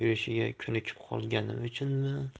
yurishiga ko'nikib qolganim uchunmi